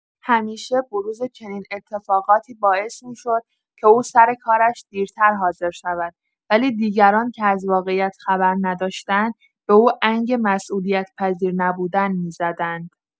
همیشه بروز چنین اتفاقاتی باعث می‌شد که او سر کارش دیرتر حاضر شود، ولی دیگران که از واقعیت خبر نداشتند، به او انگ مسئولیت‌پذیرنبودن می‌زدند.